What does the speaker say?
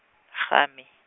game.